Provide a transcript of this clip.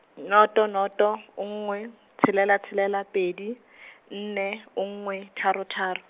noto noto nngwe, tshelela tshelela pedi , nne nngwe, tharo tharo.